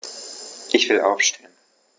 Ich will aufstehen.